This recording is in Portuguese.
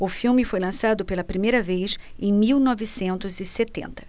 o filme foi lançado pela primeira vez em mil novecentos e setenta